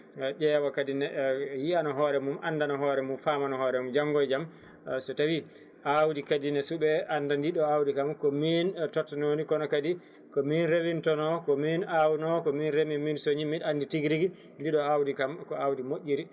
ne ƴeewa kadi ne yiyana hoore mum andana hoore mum famana hoore mum janggo e jaam so tawi awdi kadi ne suuɓe ande ndiɗo awdi kam ko min tottanodi kono kadi komin rewintono komin awno komin reemi komin sooñi mbiɗa andi tigui rigui ndiɗo awdi kam ko awdi moƴƴiri